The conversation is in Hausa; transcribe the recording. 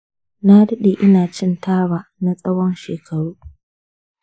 na daɗe ina cin taba na tsawon shekaru